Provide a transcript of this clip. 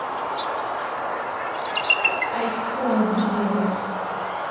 айфон блядь